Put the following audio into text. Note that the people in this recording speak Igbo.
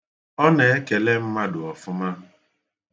Ọ na-ekele mmadụ ọfụma.